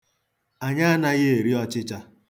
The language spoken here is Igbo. Anyị anaghị eri ọchịcha.